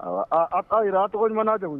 Aa a k'a jira a tɔgɔ ɲɔgɔn don